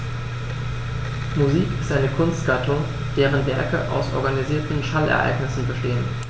Musik ist eine Kunstgattung, deren Werke aus organisierten Schallereignissen bestehen.